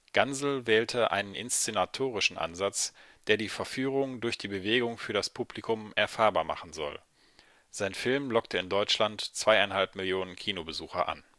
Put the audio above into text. Gansel wählte einen inszenatorischen Ansatz, der die Verführung durch die Bewegung für das Publikum erfahrbar machen soll. Sein Film lockte in Deutschland zweieinhalb Millionen Kinobesucher an